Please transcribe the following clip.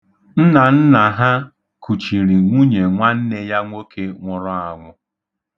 Nnanna ha kuchiri nwunye nwanne ya nwoke nwụrụ anwụ.